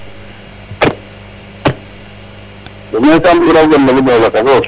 Me kaam bug o raw gon le bo jaf lakas.